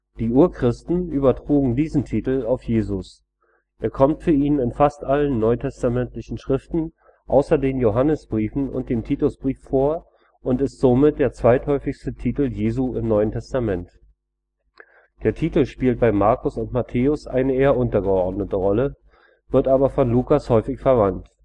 Die Urchristen übertrugen diesen Titel auf Jesus: Er kommt für ihn in fast allen NT-Schriften außer den Johannesbriefen und dem Titusbrief vor und ist somit der zweithäufigste Titel Jesu im NT. Der Titel spielt bei Markus und Matthäus eine eher untergeordnete Rolle, wird aber von Lukas häufig verwandt